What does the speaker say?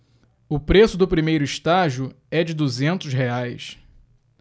o preço do primeiro estágio é de duzentos reais